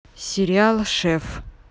сериал шеф